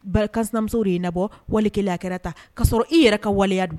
Bakamuso de ye nabɔ wali a kɛra ta k kaa sɔrɔ i yɛrɛ ka waleya